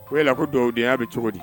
Ko yala ko duwawudenya bɛ cogo di?